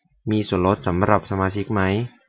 มีส่วนลดสำหรับสมาชิกมั้ย